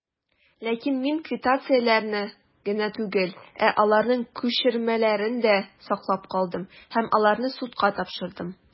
Ләкин мин квитанцияләрне генә түгел, ә аларның күчермәләрен дә саклап калдым, һәм аларны судка тапшырдым.